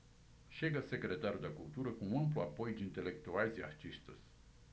chega a secretário da cultura com amplo apoio de intelectuais e artistas